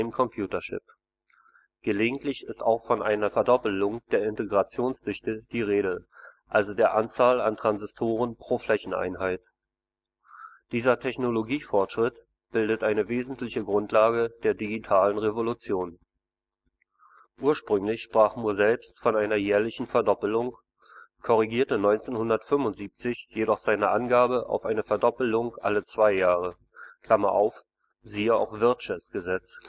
Computerchip. Gelegentlich ist auch von einer Verdoppelung der Integrationsdichte die Rede, also der Anzahl an Transistoren pro Flächeneinheit. Dieser Technologiefortschritt bildet eine wesentliche Grundlage der „ digitalen Revolution “. Grafik zur Belegung des mooreschen Gesetzes, die Anzahl der Transistoren verdoppelt sich alle zwei Jahre Ursprünglich sprach Moore selbst von einer jährlichen Verdoppelung, korrigierte 1975 jedoch seine Angabe auf eine Verdoppelung alle zwei Jahre (siehe auch Wirth’ sches Gesetz